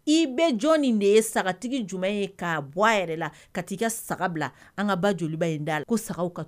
I bɛ jɔn nin de ye sagatigi jumɛn ye ka bɔ a yɛrɛ la ka' i ka saga bila an ka ba joli in' la ko saga ka